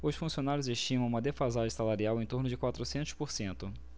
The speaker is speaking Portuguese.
os funcionários estimam uma defasagem salarial em torno de quatrocentos por cento